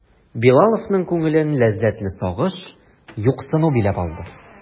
Билаловның күңелен ләззәтле сагыш, юксыну биләде.